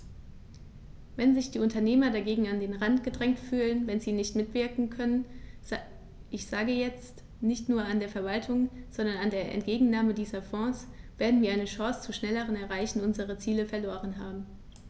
Wenn sich die Unternehmer dagegen an den Rand gedrängt fühlen, wenn sie nicht mitwirken können ich sage jetzt, nicht nur an der Verwaltung, sondern an der Entgegennahme dieser Fonds , werden wir eine Chance zur schnelleren Erreichung unserer Ziele verloren haben.